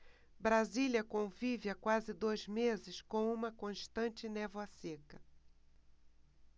brasília convive há quase dois meses com uma constante névoa seca